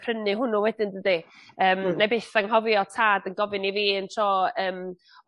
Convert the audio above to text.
prynu hwnnw wedyn dydi? Yym 'nai byth anghofio tad yn gofyn i fi un tro yym